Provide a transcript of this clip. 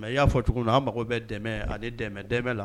Maintenant i y'a fɔ cogo minna an mako bɛ dɛmɛ ani dɛmɛdɛmɛ la,